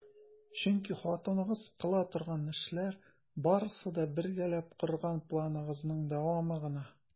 Чөнки хатыныгыз кыла торган эшләр барысы да - бергәләп корган планыгызның дәвамы гына!